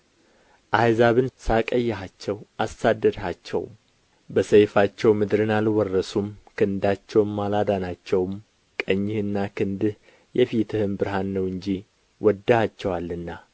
አሕዛብን ሣቀይኻቸው አሳደድኻቸውም በሰይፋቸው ምድርን አልወረሱም ክንዳቸውም አላዳናቸው ቀኝህና ክንድህ የፊትህም ብርሃን ነው እንጂ ወድደሃቸዋልና